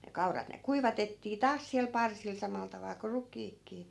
ne kaurat ne kuivatettiin taas siellä parsilla samalla tavalla kun rukiitkin